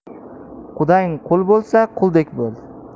qudang qui bo'lsa quldek bo'l